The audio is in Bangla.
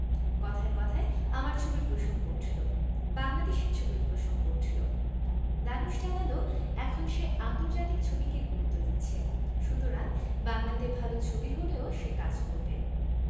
কথায় কথায় আমার ছবির প্রসঙ্গ উঠলো বাংলাদেশের ছবির প্রসঙ্গ উঠলো ধানুশ জানালো এখন সে আন্তর্জাতিক ছবিকে গুরুত্ব দিচ্ছে সুতরাং বাংলাতে ভালো ছবি হলেও সে কাজ করবে